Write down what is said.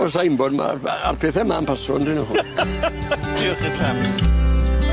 On' sai'n wbod ma' a- a'r pethe ma'n paso on'd 'yn nw? Diolch i'r drefn!